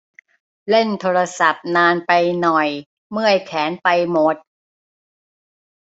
เล่นโทรศัพท์นานไปหน่อยเมื่อยแขนไปหมด